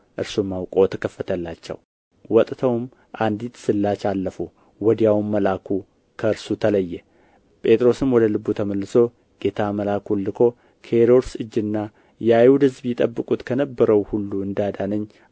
እርሱም አውቆ ተከፈተላቸው ወጥተውም አንዲት ስላች አለፉ ወዲያውም መልአኩ ከእርሱ ተለየ ጴጥሮስም ወደ ልቡ ተመልሶ ጌታ መልአኩን ልኮ ከሄሮድስ እጅና የአይሁድ ሕዝብ ይጠብቁት ከነበረው ሁሉ እንደ አዳነኝ